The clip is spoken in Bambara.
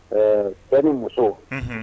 Ɛɛ fɛn ni muso